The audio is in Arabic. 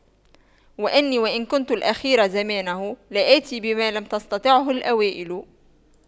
وإني وإن كنت الأخير زمانه لآت بما لم تستطعه الأوائل